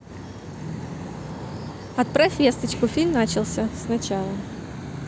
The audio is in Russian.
отправь весточку фильм начался сначала